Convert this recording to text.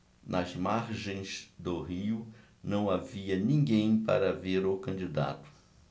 nas margens do rio não havia ninguém para ver o candidato